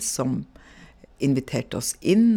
Som inviterte oss inn.